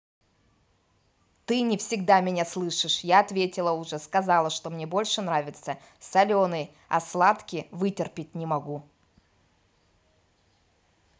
ты не всегда меня слышишь я ответила уже сказала что мне больше нравится соленый а сладкий вытерпеть не могу